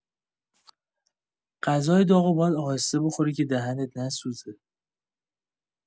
غذای داغو باید آهسته بخوری که دهنت نسوزه.